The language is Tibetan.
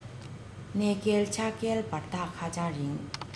གནས བསྐལ ཆགས བསྐལ བར ཐག ཧ ཅང རིང